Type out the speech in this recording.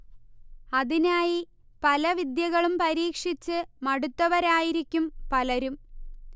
അതിനായി പല വിദ്യകളും പരീക്ഷച്ച് മടുത്തവരായിരിക്കും പലരും